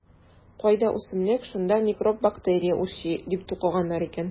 Кайда үсемлек - шунда микроб-бактерия үрчи, - дип тукыганнар икән.